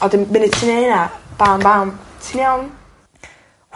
Ond y munud ti neud 'na bam bam ti'n iawn.